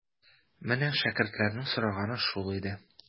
Менә шәкертләрнең сораганы шул иде.